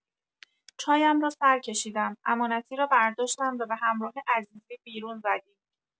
چایم را سر کشیدم، امانتی را برداشتم و به همراه عزیزی بیرون زدیم.